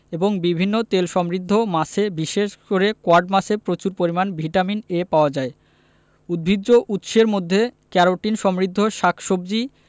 ও বিভিন্ন তেলসমৃদ্ধ মাছে বিশেষ করে কড মাছে প্রচুর পরিমান ভিটামিন এ পাওয়া যায় উদ্ভিজ্জ উৎসের মধ্যে ক্যারোটিন সমৃদ্ধ শাক সবজি